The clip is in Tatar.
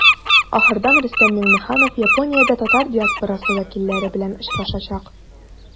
Ахырдан Рөстәм Миңнеханов Япониядә татар диаспорасы вәкилләре белән очрашачак.